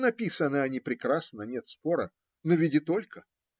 Написаны они прекрасно, нет спора; но ведь и только.